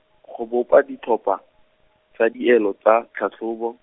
go bopa ditlhopha, tsa dielo tsa, tlhatlhobo.